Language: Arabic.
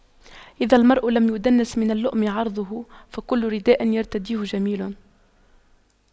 إذا المرء لم يدنس من اللؤم عرضه فكل رداء يرتديه جميل